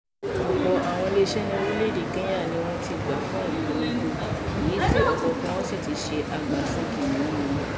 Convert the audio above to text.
Ọ̀pọ̀ àwọn ilé-iṣẹ́ ní orílẹ̀-èdè Kenya ni wọ́n ti gbà fún ìpolongo yìí tí ọ̀kọ̀ọ̀kan wọ́n sì ti ṣe "àgbàsìn" kìnìún tiwọn.